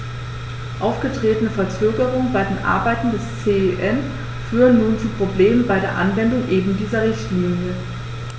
Aufgetretene Verzögerungen bei den Arbeiten des CEN führen nun zu Problemen bei der Anwendung eben dieser Richtlinie.